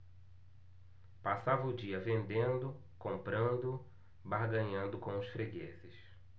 passava o dia vendendo comprando barganhando com os fregueses